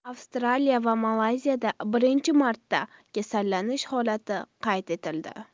avstraliya va malayziyada birinchi marta kasallanish holati qayd etildi